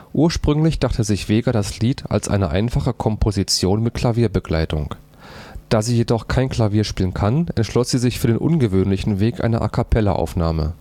Ursprünglich dachte sich Vega das Lied als eine einfache Komposition mit Klavierbegleitung. Da sie jedoch kein Klavier spielen kann, entschloss sie sich für den ungewöhnlichen Weg einer A-cappella-Aufnahme